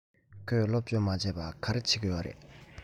ཁོས སློབ སྦྱོང མ བྱས པར ག རེ བྱེད ཀྱི ཡོད རས